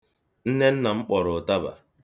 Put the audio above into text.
Nne nna m kpọrọ ụtaba.